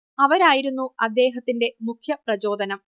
അവരായിരുന്നു അദ്ദേഹത്തിന്റെ മുഖ്യപ്രചോദനം